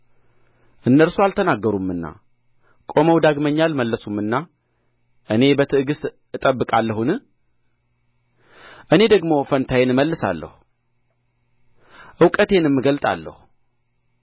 እነርሱ አልተናገሩምና ቆመው ዳግመኛ አልመለሱምና እኔ በትዕግሥት እጠብቃለሁን እኔ ደግሞ ፈንታዬን እመልሳለሁ እውቀቴንም እገልጣለሁ